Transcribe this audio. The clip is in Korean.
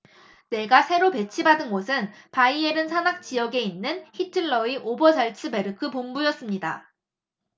내가 새로 배치받은 곳은 바이에른 산악 지역에 있는 히틀러의 오버잘츠베르크 본부였습니다